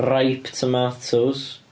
Ripe tomatoes.